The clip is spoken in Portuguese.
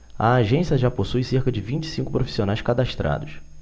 a agência já possui cerca de vinte e cinco profissionais cadastrados